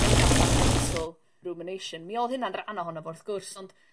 Ma' 'heina fatha mental rumination mi odd hynna'n ran ohono fo wrth gwrs ond...